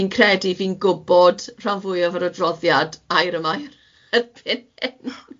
Fi'n credu fi'n gwbod rhan fwyaf o'r adroddiad air am air erbyn hyn